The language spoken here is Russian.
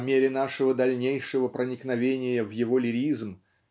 по мере нашего дальнейшего проникновения в его лиризм